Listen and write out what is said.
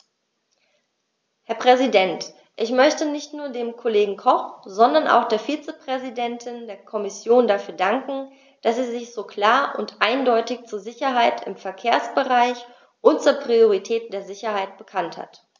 Herr Präsident, ich möchte nicht nur dem Kollegen Koch, sondern auch der Vizepräsidentin der Kommission dafür danken, dass sie sich so klar und eindeutig zur Sicherheit im Verkehrsbereich und zur Priorität der Sicherheit bekannt hat.